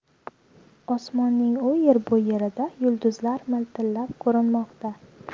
osmonning u yer bu yerida yulduzlar miltillab ko'rinmoqda